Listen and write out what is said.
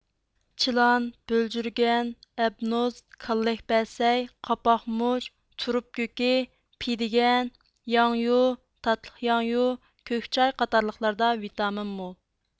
چىلان بۆلجۈرگەن ئەبنوس كاللەكبەسەي قاپاق مۇچ تۇرۇپ كۆكى پېدىگەن ياڭيۇ تاتلىقياڭيۇ كۆك چاي قاتارلىقلاردا ۋىتامىن مول